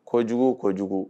Kojugu kojugu